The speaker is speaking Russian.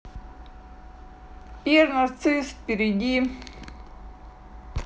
пьер нарцисс впереди